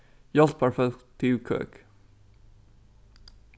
hjálparfólk til køk